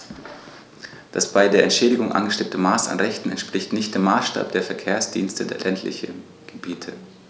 Das bei der Entschädigung angestrebte Maß an Rechten entspricht nicht dem Maßstab der Verkehrsdienste der ländlichen Gebiete.